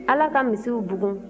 ala ka misiw bugun